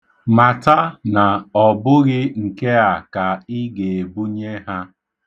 Mata na ọ bụghị nke a ka ị ga-ebunye ha.